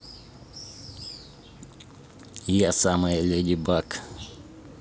я самая леди баг